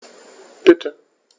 Bitte.